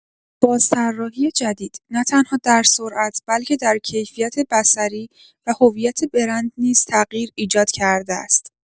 بازطراحی جدید، نه‌تنها در سرعت، بلکه در کیفیت بصری و هویت برند نیز تغییر ایجاد کرده است.